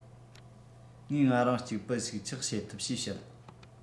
ངས ང རང གཅིག པུ ཞིག ཆགས བྱེད ཐུབ ཞེས བཤད